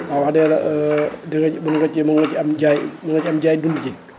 waaw wax dëgg yàlla di nga ci mën nga mën nga ci am jaay mën nga ci am jaay dund si